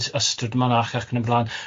Ystrad Mynach ac yn y blaen.